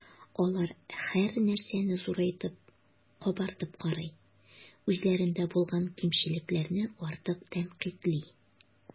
Алар һәрнәрсәне зурайтып, “кабартып” карый, үзләрендә булган кимчелекләрне артык тәнкыйтьли.